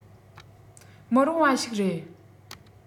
མི རུང བ ཞིག རེད